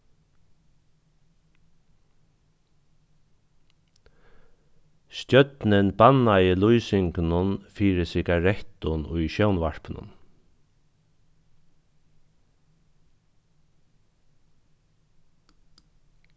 stjórnin bannaði lýsingunum fyri sigarettum í sjónvarpinum